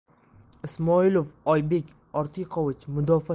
ismoilov oybek ortiqovich mudofaa